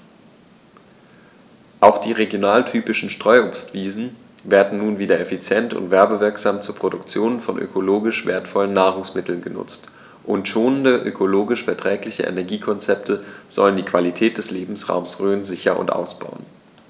Auch die regionaltypischen Streuobstwiesen werden nun wieder effizient und werbewirksam zur Produktion von ökologisch wertvollen Nahrungsmitteln genutzt, und schonende, ökologisch verträgliche Energiekonzepte sollen die Qualität des Lebensraumes Rhön sichern und ausbauen.